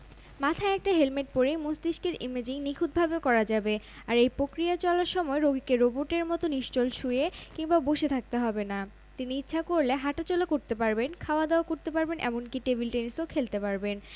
মাথায় একটা হেলমেট পরেই মস্তিষ্কের ইমেজিং নিখুঁতভাবে করা যাবে আর এই প্রক্রিয়া চলার সময় রোগীকে রোবটের মতো নিশ্চল শুয়ে কিংবা বসে থাকতে হবে না তিনি ইচ্ছা করলে হাটাচলা করতে পারবেন খাওয়া দাওয়া করতে পারবেন এমনকি টেবিল টেনিসও খেলতে পারবেন